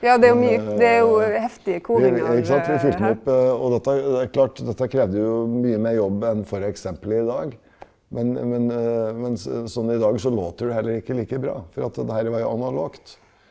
vi ikke sant vi fylte den opp og dette det er klart dette krevde jo mye mer jobb enn for eksempler i dag, men men men sånn i dag så låter det heller ikke like bra for at det her var jo analogt.